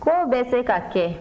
k'o bɛ se ka kɛ